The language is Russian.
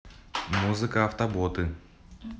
музыка автоботы